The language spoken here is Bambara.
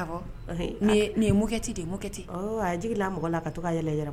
Awɔ. Nin ye mousquet de ye Moniquet. Ɔn a ye jigin la mɔgɔ la ka tɔ ka yɛlɛ yɛlɛ.